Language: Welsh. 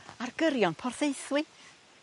Ar gyrion Porthaethwy.